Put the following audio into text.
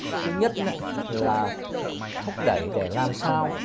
thứ nhất đá là thúc đẩy để làm sao